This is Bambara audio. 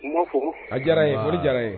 ' fɔ a diyara ye mori diyara ye